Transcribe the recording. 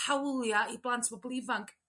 hawlia' i blant a boobl ifanc